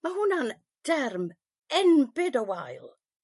Ma' hwnna'n derm enbyd o wael